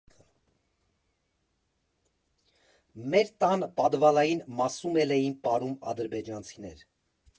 Մեր տան պադվալային մասում էլ էին ապրում ադրբեջանցիներ։